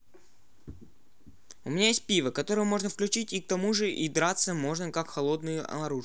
у меня есть пиво которое можно включить и к тому же им драться можно как холодным оружием